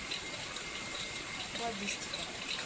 кладистика